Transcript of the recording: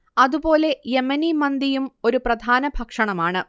അത് പോലെ യെമനി മന്തിയും ഒരു പ്രധാന ഭക്ഷണമാണ്